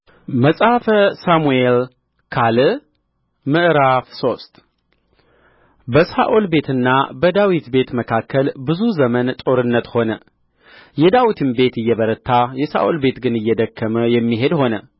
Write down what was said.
መጽሐፈ ሳሙኤል ካል ምዕራፍ ሶስት በሳኦል ቤትና በዳዊት ቤት መካከል ብዙ ዘመን ጦርነት ሆነ የዳዊት ቤት እየበረታ የሳኦል ቤት ግን እየደከመ የሚሄድ ሆነ